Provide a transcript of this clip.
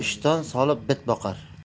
ishton solib bit boqar